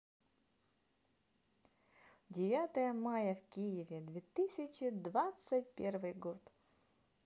девятое мая в киеве две тысячи двадцать первый год